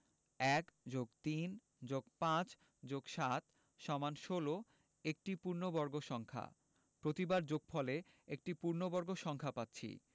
১+৩+৫+৭=১৬ একটি পূর্ণবর্গ সংখ্যা প্রতিবার যোগফল একটি পূর্ণবর্গ সংখ্যা পাচ্ছি